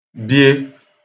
bie